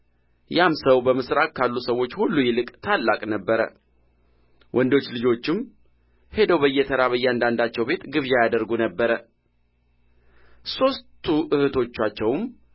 ያም ሰው በምሥራቅ ካሉ ሰዎች ሁሉ ይልቅ ታላቅ ነበረ ወንዶች ልጆቹም ሄደው በየተራ በያንዳንዳቸው ቤት ግብዣ ያደርጉ ነበር ሦስቱ እኅቶቻቸውም